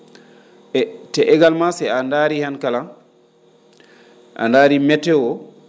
e te également so a ndaarii han kala? a ndaarii météo